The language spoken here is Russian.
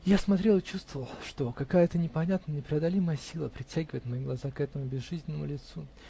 Я смотрел и чувствовал, что какая-то непонятная, непреодолимая сила притягивает мои глаза к этому безжизненному лицу.